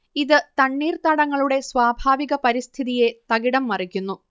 ഇത് തണ്ണീർത്തടങ്ങളുടെ സ്വാഭാവിക പരിസ്ഥിതിയെ തകിടംമറിക്കുന്നു